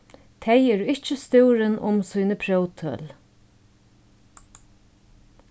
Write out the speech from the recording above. tey eru ikki stúrin um síni próvtøl